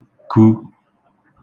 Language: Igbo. kū